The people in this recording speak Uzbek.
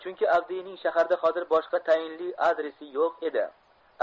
chunki avdiyning shaharda hozir boshqa tayinli adresi yo'q edi